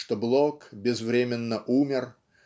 что Блок безвременно умер